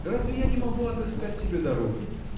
Разве я не могу отыскать себе дороги?